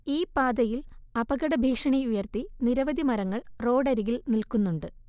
ഈപാതയിൽ അപകടഭീഷണിയുയർത്തി നിരവധി മരങ്ങൾ റോഡരികിൽ നിൽക്കുന്നുണ്ട്